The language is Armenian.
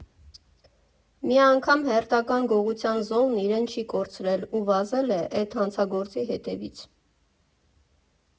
Մի անգամ հերթական գողության զոհն իրեն չի կորցրել ու վազել է էտ հանցագործի հետևից։